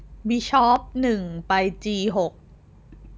บิชอปหนึ่งไปจีหก